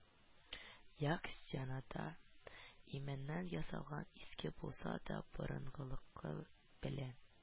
Як стенада имәннән ясалган, иске булса да борынгылыгы белән